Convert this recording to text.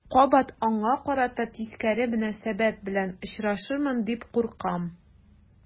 Кабат аңа карата тискәре мөнәсәбәт белән очрашырмын дип куркам.